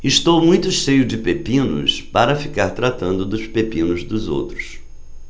estou muito cheio de pepinos para ficar tratando dos pepinos dos outros